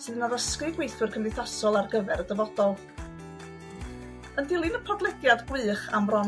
sydd yn addysgu gweithwyr cymdeithasol ar gyfer y dyfodol. Yn dilyn y podlediad gwych am bron